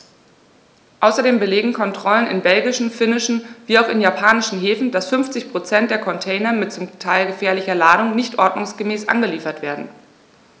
Außerdem belegen Kontrollen in belgischen, finnischen wie auch in japanischen Häfen, dass 50 % der Container mit zum Teil gefährlicher Ladung nicht ordnungsgemäß angeliefert werden.